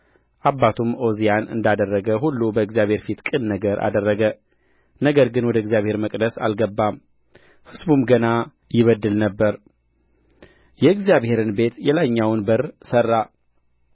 አባቱም ዖዝያን እንዳደረገ ሁሉ በእግዚአብሔር ፊት ቅን ነገር አደረገ ነገር ግን ወደ እግዚአብሔር መቅደስ አልገባም ሕዝቡም ገና ይበድል ነበር የእግዚአብሔርን ቤት የላይኛውን በር ሠራ